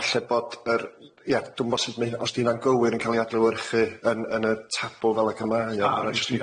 falle bod yr yy ia dwi'm bo' sut ma' hynna os di hynna'n gywir yn ca'l i adlewyrchu yn yn y tabw fel y Gymraeg ia.